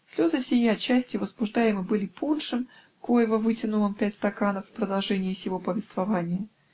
Слезы сии отчасти возбуждаемы были пуншем, коего вытянул он пять стаканов в продолжении своего повествования